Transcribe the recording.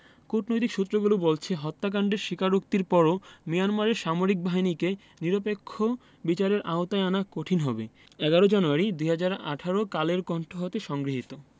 কূটনৈতিক সূত্রগুলো বলছে হত্যাকাণ্ডের স্বীকারোক্তির পরও মিয়ানমারের সামরিক বাহিনীকে নিরপেক্ষ বিচারের আওতায় আনা কঠিন হবে ১১ জানুয়ারি ২০১৮ কালের কন্ঠ হতে সংগৃহীত